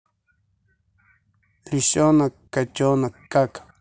лисенок котенок как